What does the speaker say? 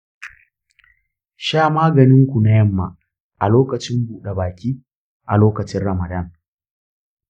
sha maganin ku na yamma a lokacin buɗa baki a lokacin ramadan.